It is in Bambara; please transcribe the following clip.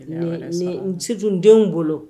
Nitu tun denw bolo